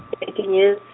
e ke nye-.